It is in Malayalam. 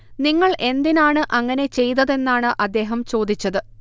നിങ്ങൾ എന്തിനാണ് അങ്ങനെ ചെയ്തതെന്നാണ് അദ്ദേഹം ചോദിച്ചത്